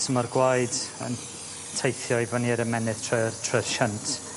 So ma'r gwaed yn teithio i fyny i'r ymennydd trwy'r trwy'r shunt